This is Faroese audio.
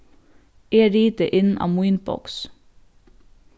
eg riti inn á mínboks